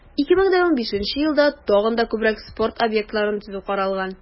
2015 елда тагын да күбрәк спорт объектларын төзү каралган.